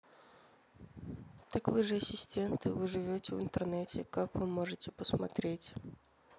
так вы же ассистенты вы живете в интернете как вы можете посмотреть